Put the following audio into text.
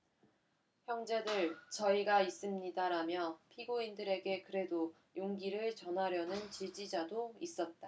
형제들 저희가 있습니다라며 피고인들에게 그래도 용기를 전하려는 지지자도 있었다